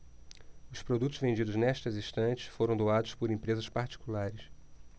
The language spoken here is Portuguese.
os produtos vendidos nestas estantes foram doados por empresas particulares